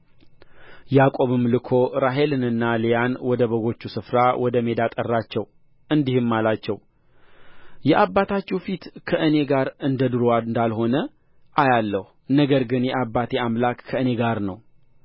ያዕቆብም ልኮ ራሔልንና ልያን ወደ በጎቹ ስፍራ ወደ ሜዳ ጠራቸው እንዲህም አላቸው የአባታችሁ ፊት ከእኔ ጋር እንደ ዱሮ እንዳልሆነ አያለሁ ነገር ግን የአባቴ አምላክ ከእኔ ጋር ነው